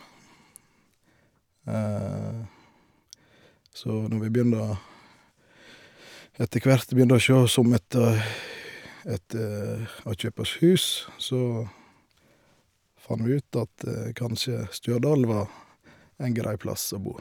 Så når vi begynte å etter hvert begynte å sjå oss om etter etter å kjøpe oss hus, så fant vi ut at kanskje Stjørdal var en grei plass å bo.